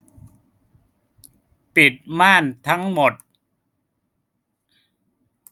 ปิดม่านทั้งหมด